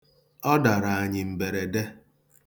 Ọ dara anyị mberede.